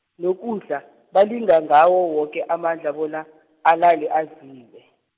nokudla balinga ngawo woke amandla bona, alale adlile.